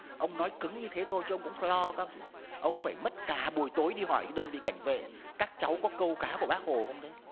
ông nói cứng như thế thôi chứ cũng lo các ông phải mất cả buổi tối đi hỏi đơn vị cảnh vệ các cháu có câu cá của bác hồ không đấy